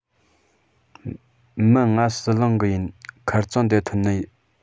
མིན ང ཟི ལིང གི ཡིན ཁ རྩང འདེའ ཐོན ནིས